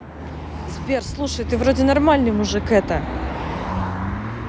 сбер слушай ты вроде нормальный мужик это